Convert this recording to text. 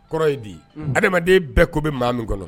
Kɔrɔ ye di, unhun; adamaden bɛɛ ko bɛ maa min kɔnɔ.